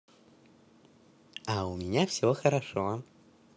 а у меня все хорошо